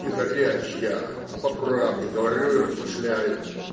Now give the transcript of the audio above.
- Не горяч я, а по правде говорю и размышляю.